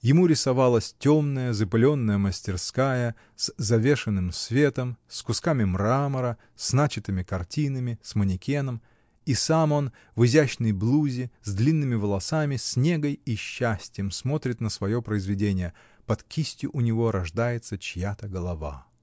Ему рисовалась темная, запыленная мастерская, с завешенным светом, с кусками мрамора, с начатыми картинами, с манекеном, — и сам он, в изящной блузе, с длинными волосами, с негой и счастьем смотрит на свое произведение: под кистью у него рождается чья-то голова.